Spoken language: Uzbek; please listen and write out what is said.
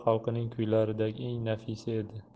xalqining kuylaridagi eng nafisi edi